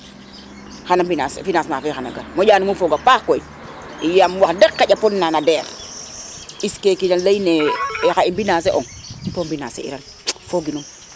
xana mbinase financement fe xana rok moƴan mo foga paax koy i yam wax deg xaƴa pod nana Der mbis ke kina ley ne na i mbinase ong to mbinase i rang foginum